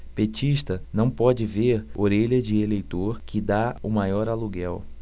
petista não pode ver orelha de eleitor que tá o maior aluguel